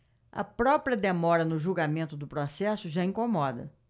a própria demora no julgamento do processo já incomoda